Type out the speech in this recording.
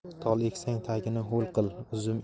tol eksang tagini ho'l qil